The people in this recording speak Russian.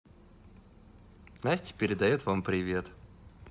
настя передает вам привет